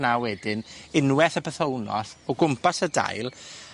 'na wedyn unweth, y pythownos o gwmpas y dail,